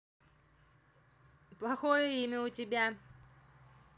плохое имя у тебя